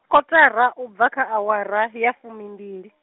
kotara ubva kha awara, ya fumimbili.